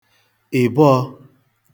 ị̀bọọ̄